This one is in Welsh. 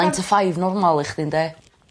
Nine to five normal i chdi ynde?